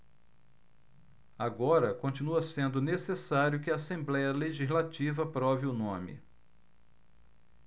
agora continua sendo necessário que a assembléia legislativa aprove o nome